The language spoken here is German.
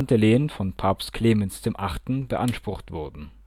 Lehen von Papst Clemens VIII. beansprucht wurden